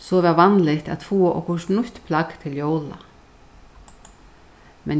so var vanligt at fáa okkurt nýtt plagg til jóla